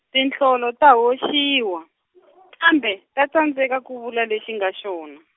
tinhlolo ta hoxiwa, kambe ta tsandzeka ku vula lexi nga xona.